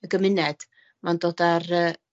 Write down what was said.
y gymuned ma'n dod â'r yy